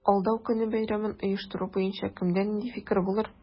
Алдау көне бәйрәмен оештыру буенча кемдә нинди фикер булыр?